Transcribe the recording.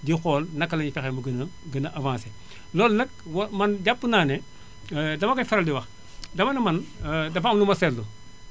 di xool naka laénuy fexee ba mu gën a gën a avancé loolu nag wo man jàpp naa ne dama koy faral di wax dama ne man dafa am lu ma seetlu